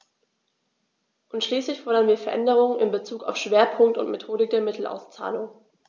Und schließlich fordern wir Veränderungen in bezug auf Schwerpunkt und Methodik der Mittelauszahlung.